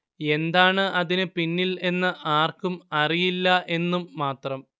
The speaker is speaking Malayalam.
എന്താണ് അതിനു പിന്നിൽ എന്ന് ആർക്കും അറിയില്ല എന്നും മാത്രം